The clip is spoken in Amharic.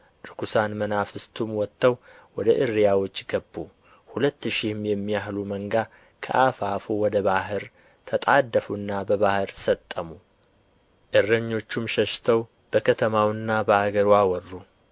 ርኵሳን መናፍስቱም ወጥተው ወደ እሪያዎቹ ገቡ ሁለት ሺህም የሚያህል መንጋ ከአፋፉ ወደ ባሕር ተጣደፉና በባሕር ሰጠሙ እረኞቹም ሸሽተው በከተማውና በአገሩ አወሩ